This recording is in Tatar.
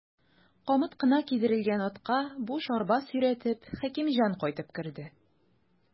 Камыт кына кидерелгән атка буш арба сөйрәтеп, Хәкимҗан кайтып керде.